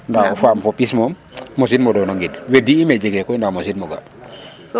Nada o faam fo pis moom mosiinum o doon a ngid wedi'iim e jegee koy ndaa mosiinum o ga'.